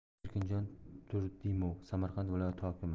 erkinjon turdimov samarqand viloyati hokimi